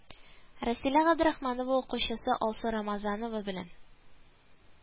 Рәсилә Габдрахманова укучысы Алсу Рамазанова белән